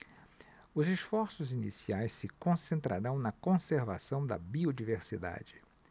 os esforços iniciais se concentrarão na conservação da biodiversidade